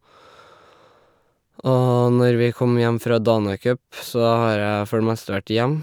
Og når vi kom hjem fra Dana Cup, så har jeg for det meste vært hjemme.